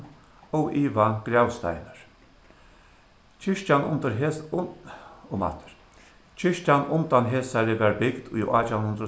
óivað gravsteinur kirkjan undir um aftur kirkjan undan hesari varð bygd í átjan hundrað og